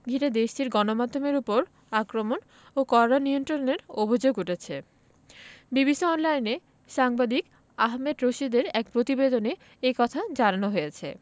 ঘিরে দেশটির গণমাধ্যমের ওপর আক্রমণ ও কড়া নিয়ন্ত্রণের অভিযোগ উঠেছে বিবিসি অনলাইনে সাংবাদিক আহমেদ রশিদের এক প্রতিবেদনে এ কথা জানানো হয়েছে